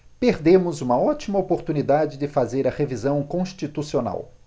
perdemos uma ótima oportunidade de fazer a revisão constitucional